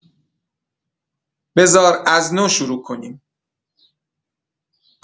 بذار از نو شروع کنیم